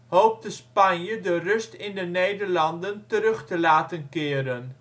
hoopte Spanje de rust in de Nederlanden terug te laten keren